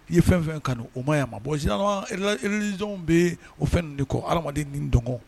I ye fɛn fɛn kanu don o ma ya ma bɔnz bɛ o fɛn de kɔ ha adama ni dɔnɔn